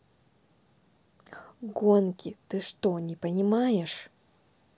гонки ты что не понимаешь